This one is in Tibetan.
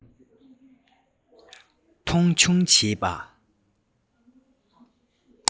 མཐོང ཆུང བྱེད པ